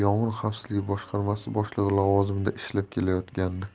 xavfsizligi boshqarmasi boshlig'i lavozimida ishlab kelayotgandi